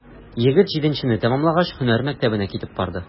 Егет, җиденчене тәмамлагач, һөнәр мәктәбенә китеп барды.